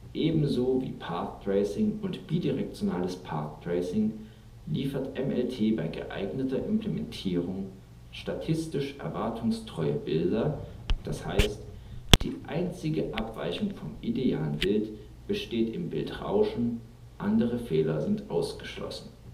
Ebenso wie Path Tracing und bidirektionales Path Tracing liefert MLT bei geeigneter Implementierung statistisch erwartungstreue Bilder, das heißt, die einzige Abweichung vom idealen Bild besteht im Bildrauschen; andere Fehler sind ausgeschlossen